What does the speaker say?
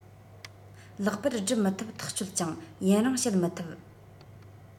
ལེགས པར སྒྲུབ མི ཐུབ ཐག ཆོད ཀྱང ཡུན རིང བྱེད མི ཐུབ